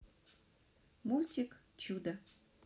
мультик чудо